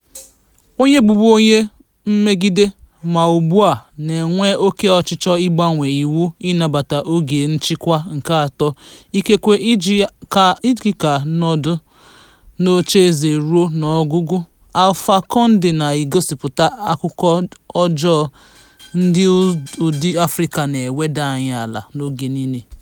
Onye bụbu onye mmegide, ma ugbu a na-enwe oke ochịchọ ịgbanwe iwu ịnabata oge nchịkwa nke atọ, ikekwe iji ka nọdụ n'oche eze ruo n'ọgwụgwụ, Alpha Condé na-egosipụta akụkụ ọjọọ nke ụdị Afịrịka na-eweda anyị ala oge niile.